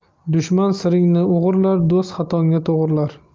dushman siringni o'g'irlar do'st xatongni to'g'rilar